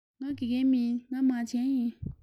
ང དགེ རྒན མིན མ བྱན ཡིན